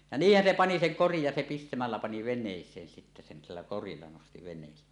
ja niinhän se pani sen korin ja se pistämällä pani veneeseen sitten sen sillä korilla nosti veneeseen